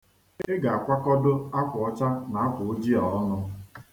Ị ga-akwakọdo akwa ọcha na akwa ojii a ọnụ.